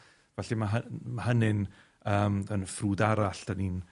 Felly ma' hy- ma' hynny'n yym yn ffrwd arall 'dan ni'n